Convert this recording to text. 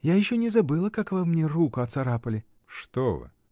Я еще не забыла, как вы мне руку оцарапали. — Что вы!